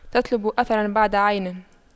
تطلب أثراً بعد عين